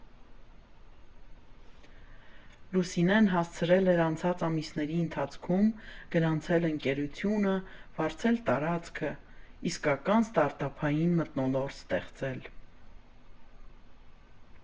Լուսինեն հասցրել էր անցած ամիսների ընթացքում գրանցել ընկերությունը, վարձել տարածքը, իսկական ստարթափային մթնոլորտ ստեղծել։